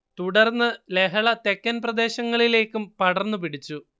തുടർന്ന് ലഹള തെക്കൻ പ്രദേശങ്ങളിലേക്കും പടർന്നു പിടിച്ചു